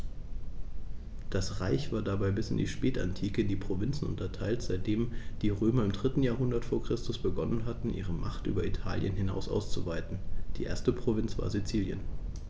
Das Reich war dabei bis in die Spätantike in Provinzen unterteilt, seitdem die Römer im 3. Jahrhundert vor Christus begonnen hatten, ihre Macht über Italien hinaus auszuweiten (die erste Provinz war Sizilien).